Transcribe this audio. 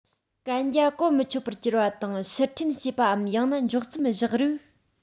གན རྒྱ གོ མི ཆོད པར གྱུར པ དང ཕྱིར འཐེན བྱས པའམ ཡང ན འཇོག མཚམས བཞག རིགས